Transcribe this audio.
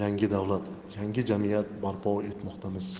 davlat yangi jamiyat barpo etmoqdamiz